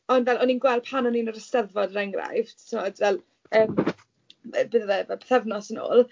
Ond fel o'n i'n gweld pan o'n i yn yr Eisteddfod, er enghraifft, timod fel yym beth oedd e fel pythefnos yn ôl?